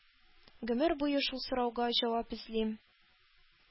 Гомер буе шул сорауга җавап эзлим.